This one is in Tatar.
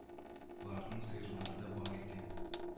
Боларның сыерлары да бар икән